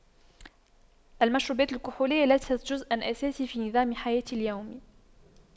المشروبات الكحولية ليست جزءا أساسي في نظام حياتي اليومي